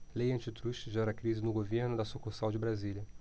lei antitruste gera crise no governo da sucursal de brasília